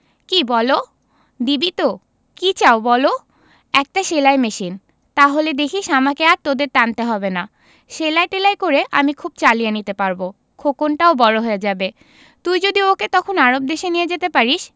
কি বলো দিবি তো কি চাও বলো একটা সেলাই মেশিন তাহলে দেখিস আমাকে আর তোদের টানতে হবে না সেলাই টেলাই করে আমি খুব চালিয়ে নিতে পারব খোকনটাও বড় হয়ে যাবে তুই যদি ওকেও তখন আরব দেশে নিয়ে যেতে পারিস